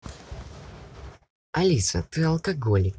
алиса ты алкоголик